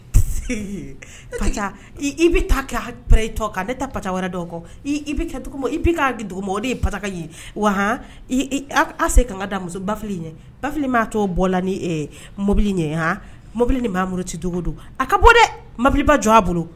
I bɛ ne pata wɛrɛ kɔ ye pata ye waan ase ka ka da muso bafi in ye bafi maatɔ la ni mɔbili ɲɛ mɔbili ni mamudu tɛ dogo don a ka bɔ dɛ mɔbiliba jɔ a bolo